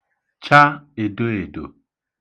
cha èdoèdò